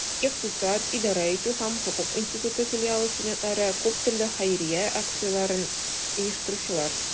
Икътисад, идарә итү һәм хокук институты филиалы студентлары - күп төрле хәйрия акцияләрен оештыручылар.